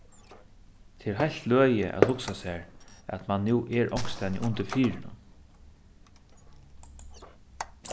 tað er heilt løgið at hugsa sær at mann nú er onkrastaðni undir firðinum